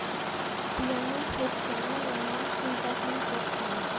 tuyaning hurkkani yomon tentakning qo'rqqani